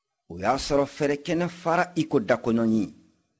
o y'a sɔrɔ fɛrɛkɛnɛ fara iko dakɔnɔɲin